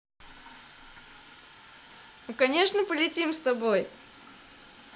ну конечно полетим с тобой